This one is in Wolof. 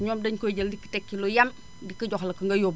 énoom dañu koy jël dikk teg ci lu yem dikk jox la ko nga yóbbu